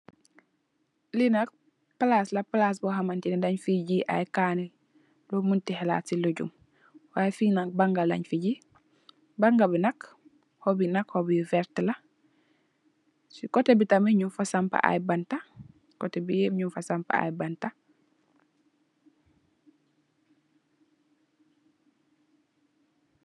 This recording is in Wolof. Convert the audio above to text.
Li nak palaas, palaas bor hamantene dan fi gi ay kani, lo mun ti hèlat ci lu jum. Why fi nak banga leen fi gi, banga bi nak hoop yi vert la. Ci kotè bi tamit mung fa sampa ay banta, kotè bi yëp nung fa sampa ay banta.